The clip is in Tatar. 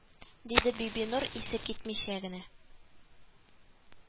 Диде бибинур, исе китмичә генә